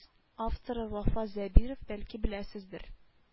Авторы вафа зәбиров бәлки беләсездер